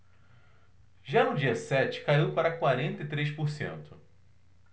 já no dia sete caiu para quarenta e três por cento